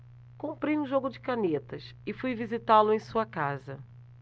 comprei um jogo de canetas e fui visitá-lo em sua casa